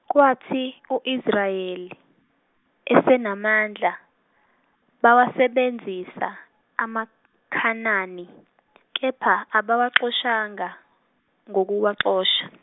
kwathi u Israyeli esenamandla, bawasebenzisa amaKhanani kepha abawaxoshanga nokuwaxosha.